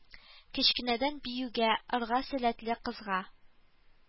Кечкенәдән биюгә, ырга сәләтле кызга